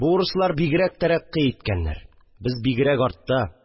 Бу урыслар бигрәк тәрәккый иткәннәр, без бигрәк артта